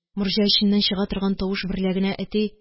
Морҗа эченнән чыга торган тавыш берлә генә әти: